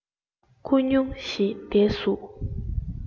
སྐུ སྙུང གཞེས དུས སུ